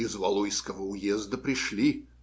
- Из Валуйского уезда пришли!